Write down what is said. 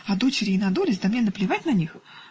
а дочери и надулись, да мне наплевать на них.